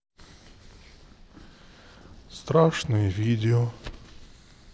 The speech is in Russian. страшные видео